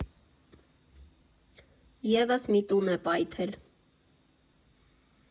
Եվս մի տուն է պայթել։